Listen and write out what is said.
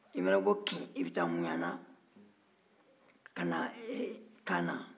i mana bɔ kin i bɛ taa muɲana ka na kaana